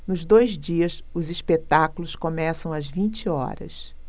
nos dois dias os espetáculos começam às vinte horas